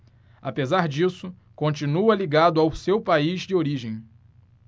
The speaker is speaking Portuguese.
apesar disso continua ligado ao seu país de origem